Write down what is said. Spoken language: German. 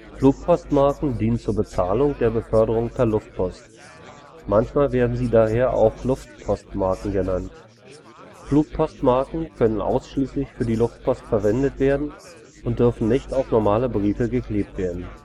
Flugpostmarken dienen zur Bezahlung der Beförderung per Luftpost. Manchmal werden sie daher auch Luftpostmarken genannt. Flugpostmarken können ausschließlich für Luftpost verwendet werden und dürfen nicht auf normale Briefe geklebt werden